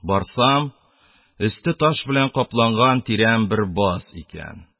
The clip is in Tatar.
Барсам, өсте таш белән капланган тирән бер баз икән.